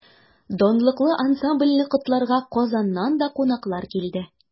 Данлыклы ансамбльне котларга Казаннан да кунаклар килде.